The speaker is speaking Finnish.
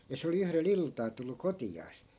ja se oli yhdellä iltaa tullut kotiansa